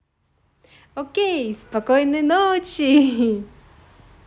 окей спокойной ночи